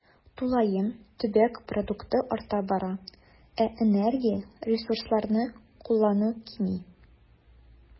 Тулаем төбәк продукты арта бара, ә энергия, ресурсларны куллану кими.